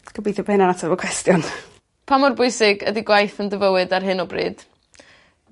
Gobeithio bo' 'na atab y cwestiwn. Pa mor bwysig ydi gwaith yn dy fywyd ar hyn o bryd?